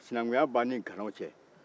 sinankuya b'an ni ganaw cɛ